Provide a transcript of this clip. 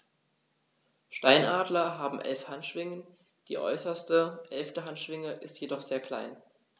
Steinadler haben 11 Handschwingen, die äußerste (11.) Handschwinge ist jedoch sehr klein.